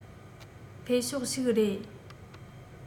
འཕེལ ཕྱོགས ཤིག རེད